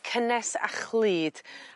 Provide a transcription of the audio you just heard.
cynnes a chlud.